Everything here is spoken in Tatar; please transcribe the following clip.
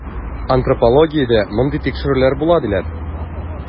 Антропологиядә мондый тикшерүләр була, диләр.